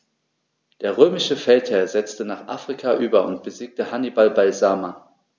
Der römische Feldherr setzte nach Afrika über und besiegte Hannibal bei Zama.